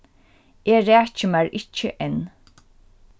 eg raki mær ikki enn